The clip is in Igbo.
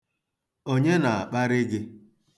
Onye na-akparị gị?